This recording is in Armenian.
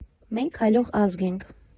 Մենք քայլող ազգ ենք։